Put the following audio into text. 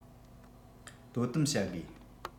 དོ དམ བྱ དགོས